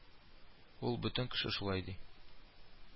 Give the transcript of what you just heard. Ул, бөтен кеше шулай ди